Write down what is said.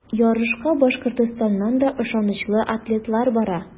Ярышка Башкортстаннан да ышанычлы атлетлар бара.